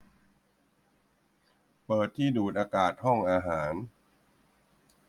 เปิดที่ดูดอากาศห้องอาหาร